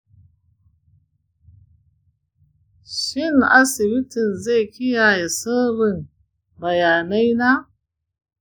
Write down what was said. shin asibitin zai kiyaye sirrin bayanaina?